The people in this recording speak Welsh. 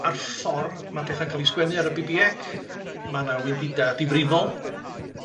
a'r ffor ma' petha'n ca'l 'u sgwennu ar y Bi Bi Ec, ma' 'na wendida difrifol,